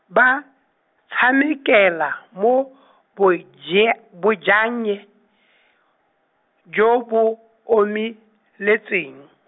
ba, tshamekela, mo , boje- bojannye , jo bo, omeletseng.